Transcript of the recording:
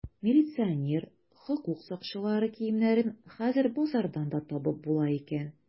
Милиционер, хокук сакчылары киемнәрен хәзер базардан да табып була икән.